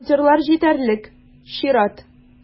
Волонтерлар җитәрлек - чират.